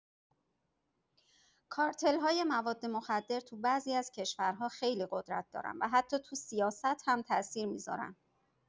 کارتل‌های مواد مخدر تو بعضی از کشورا خیلی قدرت دارن و حتی تو سیاست هم تاثیر می‌ذارن.